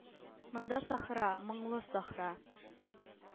Монда сахра, моңлы сахра..